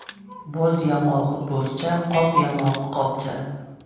bo'z yamog'i bo'zcha qop yamog'i qopcha